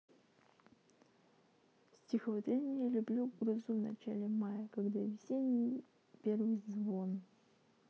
стихотворение люблю грозу в начале мая когда весенний первый звон